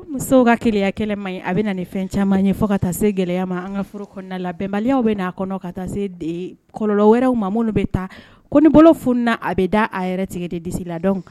Musow ka keyakɛla man ɲi a bɛ na nin fɛn caman fɔ ka taa se gɛlɛyaya ma an ka furu kɔnɔna la bɛnbaliya bɛ'a kɔnɔ ka taa se de kɔlɔlɔ wɛrɛw ma minnu bɛ taa ko bolo fna a bɛ da a yɛrɛ tigɛ de disi la kan